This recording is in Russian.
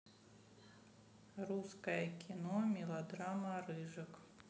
русское кино мелодрама рыжик